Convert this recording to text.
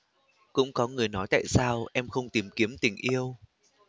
cũng có người nói tại sao em không tìm kiếm tình yêu